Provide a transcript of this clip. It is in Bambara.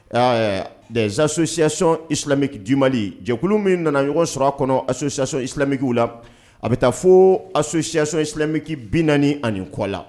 Desaasosiyasononfimiki di malili jɛkulu min nana ɲɔgɔn sɔrɔ a kɔnɔ azsisom la a bɛ taa fo azsiyaso silamɛmmiki bi naani ani kɔ la